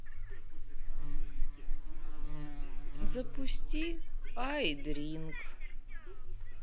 запусти айдринк